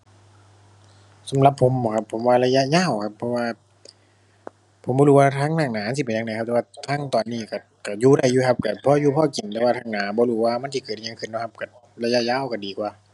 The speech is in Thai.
สำหรับผมบ่ครับ ผมว่าระยะยาวครับ เพราะว่าผมบ่รู้ว่าทางด้านหน้ามันสิเป็นจั่งใดครับ แต่ว่าทางตอนนี้ก็ ก็อยู่ได้อยู่ครับ ก็พออยู่พอกิน แต่ว่าข้างหน้าบ่รู้ว่ามันสิเกิดอิหยังขึ้นเนาะครับ ก็ระยะยาวก็ดีกว่า